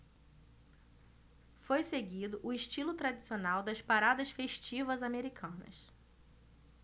foi seguido o estilo tradicional das paradas festivas americanas